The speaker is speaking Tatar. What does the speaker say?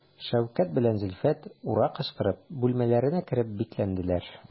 Шәүкәт белән Зөлфәт «ура» кычкырып бүлмәләренә кереп бикләнделәр.